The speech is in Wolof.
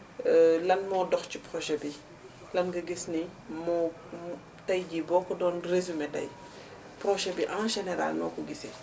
lan moo dox tey ci projet bi lan nga gis ne moo moo tey jii boo ko doon résumé tey projet bi en général noo ko gisee